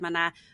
ma' 'na